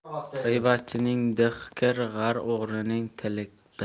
g'iybatchining dih kir g'ar o'g'rining tili bir